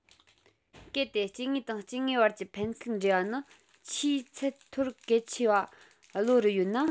གལ ཏེ སྐྱེ དངོས དང སྐྱེ དངོས བར གྱི ཕན ཚུན འབྲེལ བ ནི ཆེས ཚད མཐོར གལ ཆེ བ བློ རུ ཡོད ན